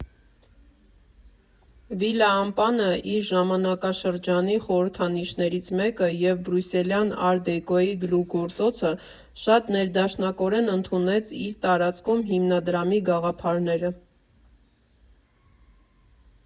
Վիլա Ամպանը՝ իր ժամանակաշրջանի խորհրդանիշներից մեկը և բրյուսելյան ար֊դեկոյի գլուխգործոցը, շատ ներդաշնակորեն ընդունեց իր տարածքում Հիմնադրամի գաղափարները։